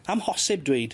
Amhosib dweud.